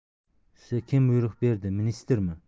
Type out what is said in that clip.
sizga kim buyruq berdi ministrmi